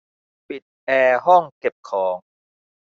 ปิดแอร์ห้องเก็บของ